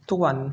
ทุกวัน